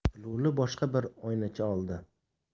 lo'li boshqa bir oynacha oldi